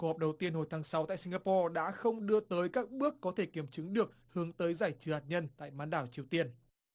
họp đầu tiên hồi tháng sáu tại sin ga po đã không đưa tới các bước có thể kiểm chứng được hướng tới giải trừ hạt nhân tại bán đảo triều tiên